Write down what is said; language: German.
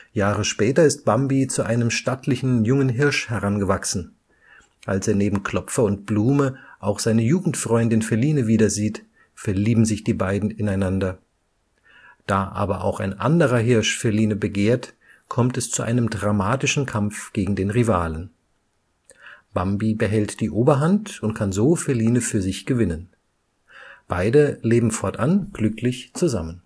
Jahre später ist Bambi zu einem stattlichen jungen Hirsch herangewachsen. Als er neben Klopfer und Blume auch seine Jugendfreundin Feline wiedersieht, verlieben sich die beiden ineinander. Da aber auch ein anderer Hirsch Feline begehrt, kommt es zu einem dramatischen Kampf gegen den Rivalen. Bambi behält die Oberhand und kann so Feline für sich gewinnen. Beide leben fortan glücklich zusammen